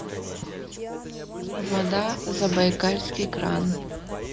вода забайкальский край